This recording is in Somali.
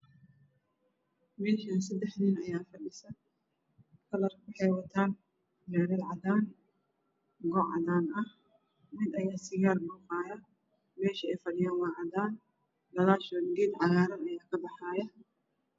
Meeshaan sadex nin ayaa fadhiso kalarka ay wataana gaariga cadaan lugo cadaan nin ayaa sigar dhuuqayao meesha ay fadhiyaan waa cadaan gadaashoda geed cagaaran aya ka baxaayo